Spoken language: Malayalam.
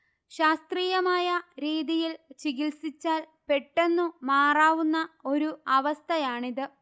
ശാസ്ത്രീയമായ രീതിയിൽ ചികിത്സിച്ചാൽ പെട്ടെന്നു മാറാവുന്ന ഒരു അവസ്ഥയാണിത്